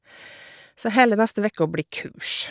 Så hele neste vekka blir kurs.